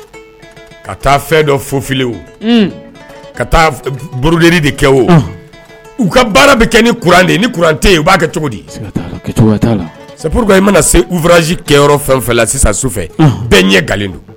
Ka taa fɛn dɔ fofile ka taa burud de kɛ o u ka baara bɛ kɛ ni kuran ni kurante u b'a kɛ cogodi sabu i mana se uranzji kɛ fɛn la sisan su fɛ bɛɛ ɲɛ don